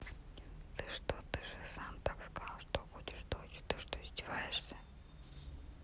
ты что ты же сам так сказал что будет дочь ты что издеваешься